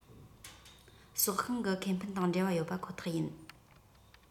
སྲོག ཤིང གི ཁེ ཕན དང འབྲེལ བ ཡོད པ ཁོ ཐག ཡིན